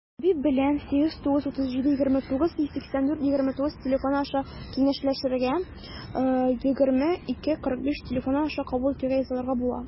Табиб белән 89372918429 телефоны аша киңәшләшергә, 20-2-45 телефоны аша кабул итүгә язылырга була.